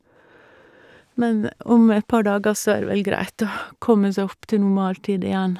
Men om et par dager så er det vel greit å komme seg opp til normal tid igjen.